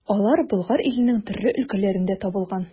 Алар Болгар иленең төрле өлкәләрендә табылган.